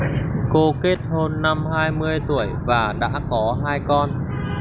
cô kết hôn năm hai mươi tuổi và đã có hai con